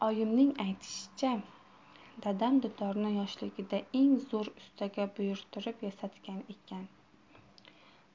oyimning aytishicha dadam dutorni yoshligida eng zo'r ustaga buyurtirib yasatgan ekan